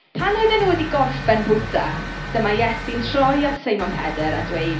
Pan oedden nhw wedi gorffen bwyta, dyma Iesu'n troi at Seimon Pedr a dweud